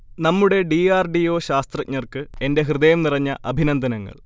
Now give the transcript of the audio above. നമ്മുടെ D. R. D. O. ശാസ്ത്രജ്ഞർക്ക് എന്റെ ഹൃദയം നിറഞ്ഞ അഭിനന്ദങ്ങൾ